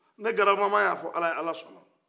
ne grabamama y'a fɔ ala ye ala sɔnna